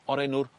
o'r enw'r